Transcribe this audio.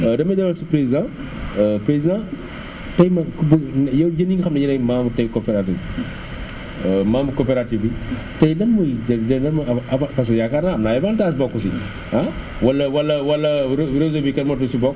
damay ñëwaat si président président tey moom ku bëgg yow yéen ñi nga xam ne yéen ay membre tey coopérative membre coopérative bi tey lan mooy një lan mooy avantage yi yaakaar naa am na ay avantages bokk si ah wala wala réseau bi kenn mënatu si bokk